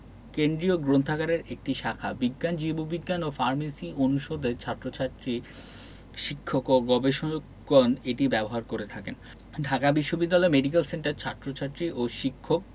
কেন্দ্রীয় গ্রন্থাগারের একটি শাখা বিজ্ঞান জীববিজ্ঞান ও ফার্মেসি অনুষদের ছাত্রছাত্রী শিক্ষক ও গবেষকগণ এটি ব্যবহার করে থাকেন ঢাকা বিশ্ববিদ্যালয় মেডিকেল সেন্টার ছাত্রছাত্রী ও শিক্ষক